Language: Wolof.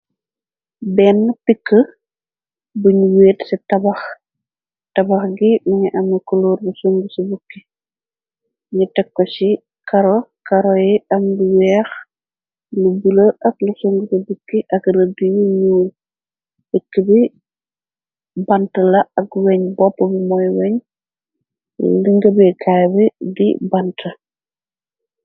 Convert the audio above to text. Benni pikk buñu weet ci tabax. Tabax gi mingi am koloor bu sung ci bukki ni tekko ci karo. Karo yi anbi weex lu bule ak lu sung ci bukki ak la buñu ñuur ikk bi bant la. Ak weñ bopp bu moy weñ lu ngabekaay b di bant.